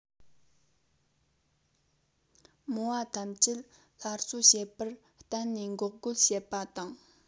མོ བ ཐམས ཅད སླར གསོ བྱེད པར གཏན ནས འགོག རྒོལ བྱེད པ དང